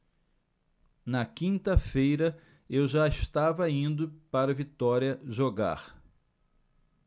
na quinta-feira eu já estava indo para vitória jogar